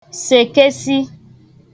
sèkesi